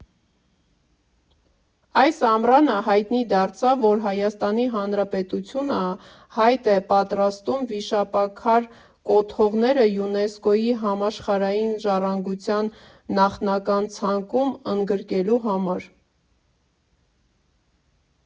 Այս ամռանը հայտնի դարձավ, որ Հայաստանի Հանրապետությունը հայտ է պատրաստումվիշապաքար կոթողները ՅՈՒՆԵՍԿՕ֊ի Համաշխարհային ժառանգության նախնական ցանկում ընդգրկելու համար։